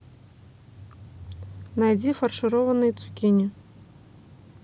найди фаршированные цукини